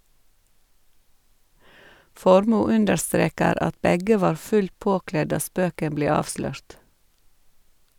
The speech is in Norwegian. Formoe understreker at begge var fullt påkledd da spøken ble avslørt.